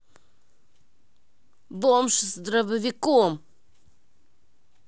бомж с дробовиком